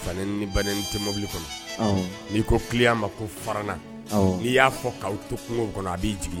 Fa ni ba tɛ mobili kɔnɔ n'i ko kile' ma ko farana n'i y'a fɔ'aw to kungo kɔnɔ a b'i jigi